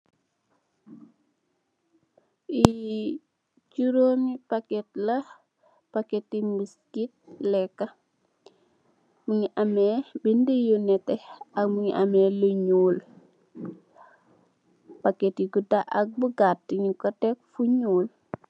Yi juroomi paket la, paketi biskit, lekka, mingi ame bind yu nete ak mingi ame lu nyuul, paket yu gudda ak bu gatta, nyun ko teg fu nyuul.